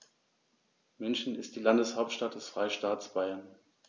München ist die Landeshauptstadt des Freistaates Bayern.